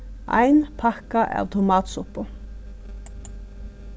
ein pakka av tomatsuppu